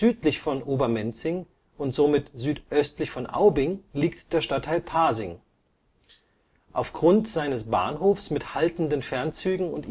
Südlich von Obermenzing und somit südöstlich von Aubing liegt der Stadtteil Pasing. Aufgrund seines Bahnhofs mit haltenden Fernzügen